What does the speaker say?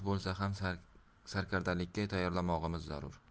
sarkardalikka tayyorlanmog'i zarur